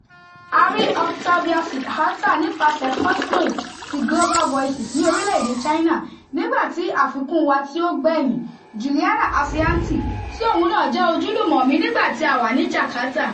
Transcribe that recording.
A rí Oktavia Sidharta nípasẹ̀ Portnoy ti Global Voices ní orílẹ̀ èdè China, nígbà tí àfikún wa tí ó gbẹ́yìn, Juliana Harsianti, tí òun náà jẹ́ ojúlùmọ̀ mi nígbà tí a wà ní Jakarta.